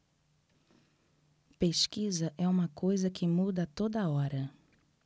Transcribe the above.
pesquisa é uma coisa que muda a toda hora